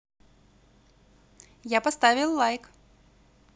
я поставил лайк